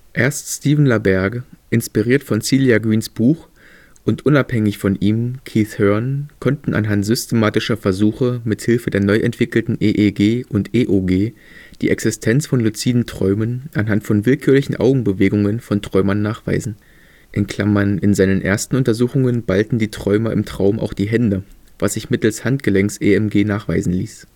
Erst Stephen LaBerge, inspiriert von Celia Greens Buch, und unabhängig von ihm Keith Hearne konnten anhand systematischer Versuche mit Hilfe der neu entwickelten EEG und EOG die Existenz von luziden Träumen anhand von willkürlichen Augenbewegungen von Träumern nachweisen. (In seinen ersten Untersuchungen ballten die Träumer im Traum auch die Hände, was sich mittels Handgelenks-EMG nachweisen ließ